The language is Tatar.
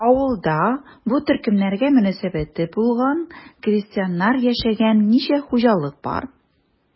Авылда бу төркемнәргә мөнәсәбәте булган крестьяннар яшәгән ничә хуҗалык бар?